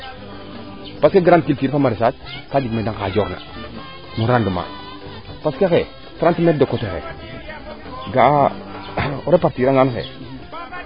parce que grand culture fo maraissage kaa jeg meede ngajooor na no rendement parce xaye 30 metre de coté xaye ga'a o repartirer a ngaan xaye